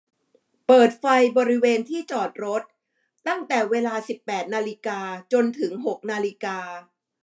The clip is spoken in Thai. เปิดไฟบริเวณที่จอดรถตั้งแต่เวลาสิบแปดนาฬิกาจนถึงหกนาฬิกา